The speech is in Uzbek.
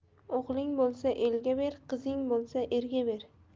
o'g'ling bo'lsa elga ber qizing bo'lsa erga ber